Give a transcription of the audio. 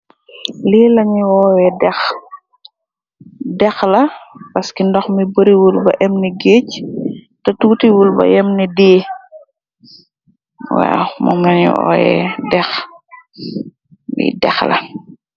Lee lanu oyee deeh , deeh la paske nohme bary wut ba emne gaeche teh tuti wul ba emne dee waw mum lanu oye deeh lee deeh la.